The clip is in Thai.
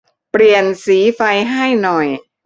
เปลี่ยนสีไฟให้หน่อย